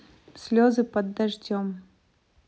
слезы под дождем